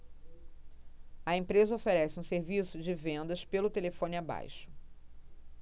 a empresa oferece um serviço de vendas pelo telefone abaixo